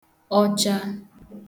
ọcha